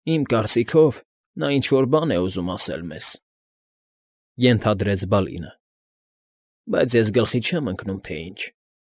Իմ կարծիքով, նա ինչ֊որ բան է ուզում ասել մեզ, ֊ ենթադրեց Բալինը,֊ բայց ես գլխի չեմ ընկնում՝ թե ինչ։